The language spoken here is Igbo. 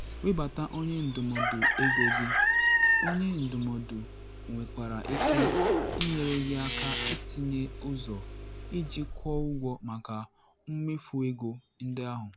Webata onye ndụmọdụ ego gị: Onye ndụmọdụ nwekwara ike ịnyere gị aka ịtụnye ụzọ iji kwụọ ụgwọ maka mmefu ego ndị ahụ.